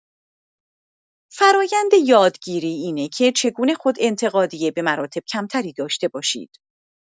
فرایند یادگیری اینکه چگونه خودانتقادی به‌مراتب کم‌تری داشته باشید.